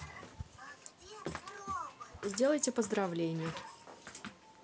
сделайте поздравления